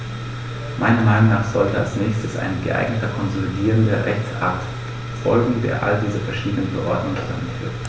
Meiner Meinung nach sollte als nächstes ein geeigneter konsolidierender Rechtsakt folgen, der all diese verschiedenen Verordnungen zusammenführt.